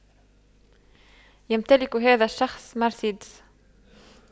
يمتلك هذا الشخص مرسيدس